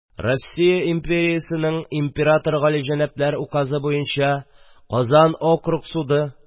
«россия империясенең император галиҗәнәпләре указы буенча... казан округ суды...»